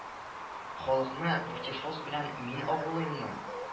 Халыкны бутифос белән мин агулыйммы